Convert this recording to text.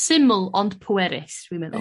Syml ond pwerus dwi meddwl.